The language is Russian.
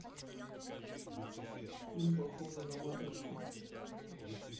фильм похожий на матрицу